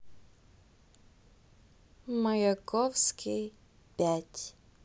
маяковский пять